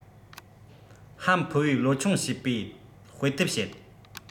ཧམ ཕུ བོས ལོ ཆུང བྱིས པའི དཔེ དེབ བཤད